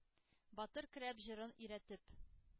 Батыр көрәп: җырын өйрәтеп,